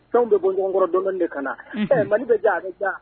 Fɛn bɛ bɔɲɔgɔnkɔrɔ don de ka na ɛɛ mali bɛ diya bɛ ja